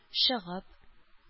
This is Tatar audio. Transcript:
Чыгып